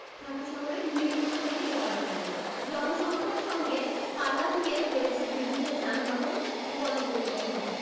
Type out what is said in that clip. ঢাকা শহরের নিত্যসঙ্গী বলা চলে জনসংখ্যার সঙ্গে পাল্লা দিয়ে বেড়েছে বিবিধ যানবাহন ও গণপরিবহন